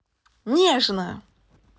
нежно